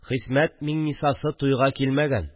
– хисмәт миңнисасы туйга килмәгән